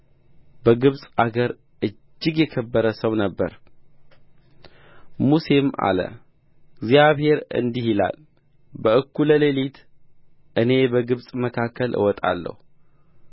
በግብፅ አገር እጅግ የከበረ ሰው ነበረ ሙሴም አለ እግዚአብሔር እንዲህ ይላል በእኩል ሌሊት እኔ በግብፅ መካከል እወጣለሁ